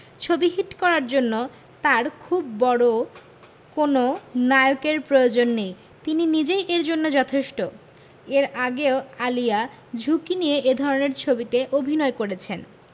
ছবি হিট করার জন্য তার খুব বড় কোনো নায়কের প্রয়োজন নেই তিনি নিজেই এর জন্য যথেষ্ট এর আগেও আলিয়া ঝুঁকি নিয়ে এ ধরনের ছবিতে অভিনয় করেছেন